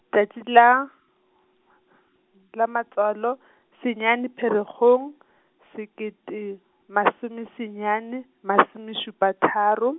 tšatši la , la matswalo , senyane Pherekgong, sekete masomesenyane, masomešupa tharo.